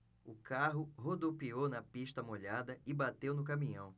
o carro rodopiou na pista molhada e bateu no caminhão